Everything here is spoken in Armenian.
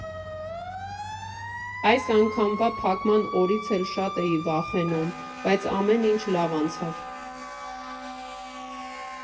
Այս անգամվա փակման օրից էլ շատ էի վախենում, բայց ամեն ինչ լավ անցավ։